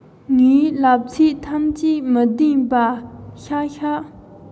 ངས ལབ ཚད ཐམས ཅད མི བདེན པ ཤག ཤག